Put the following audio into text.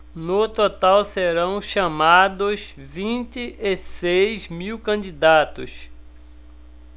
no total serão chamados vinte e seis mil candidatos